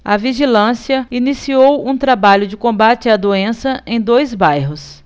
a vigilância iniciou um trabalho de combate à doença em dois bairros